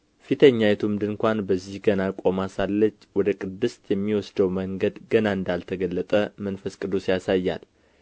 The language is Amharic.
ፊተኛይቱም ድንኳን በዚህ ገና ቆማ ሳለች ወደ ቅድስት የሚወስደው መንገድ ገና እንዳልተገለጠ መንፈስ ቅዱስ ያሳያል